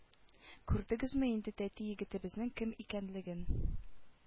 Күрдегезме инде тәти егетебезнең кем икәнлеген